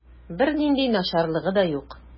Бернинди начарлыгы да юк.